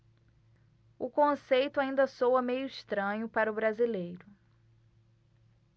o conceito ainda soa meio estranho para o brasileiro